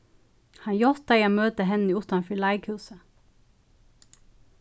hann játtaði at møta henni uttan fyri leikhúsið